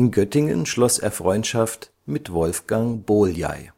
Göttingen schloss er Freundschaft mit Wolfgang Bolyai